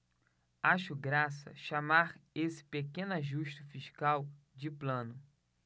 acho graça chamar esse pequeno ajuste fiscal de plano